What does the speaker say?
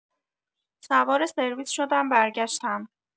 سوار سرویس شدم برگشتم.